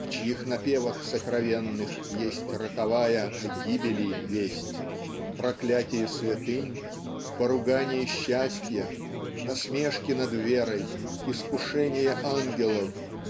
в чьих напевах сокровенных есть роковая о гибели весть проклятие святынь поругание счастья насмешки над верой искушение ангелов